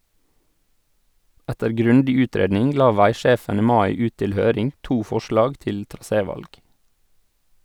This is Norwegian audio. Etter grundig utredning la veisjefen i mai ut til høring to forslag til trasévalg.